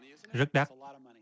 rất đắt